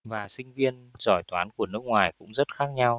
và sinh viên giỏi toán của nước ngoài cũng rất khác nhau